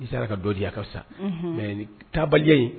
I sara ka dɔ diya ka sa mɛ ni tabaliya in